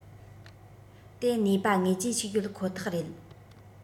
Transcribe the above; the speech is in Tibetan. དེ ནུས པ ངེས ཅན ཞིག ཡོད ཁོ ཐག རེད